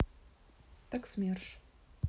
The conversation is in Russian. так смерш